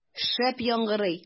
Шәп яңгырый!